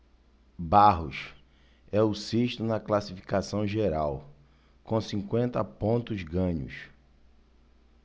barros é o sexto na classificação geral com cinquenta pontos ganhos